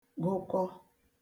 gụkọ